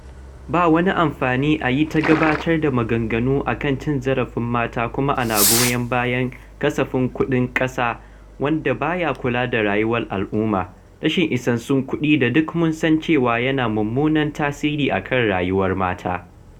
Ba wani amfani a yi ta gabatar da maganganu a kan cin zarafin mata kuma ana goyon bayan kasafin kuɗin ƙasa wanda ba ya kula da rayuwar al'umma, rashin isassun kuɗin da duk mun san cewa yana mummunan tasiri a kan rayuwar mata.